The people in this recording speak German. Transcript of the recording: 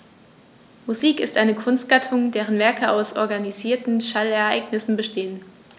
Musik ist eine Kunstgattung, deren Werke aus organisierten Schallereignissen bestehen.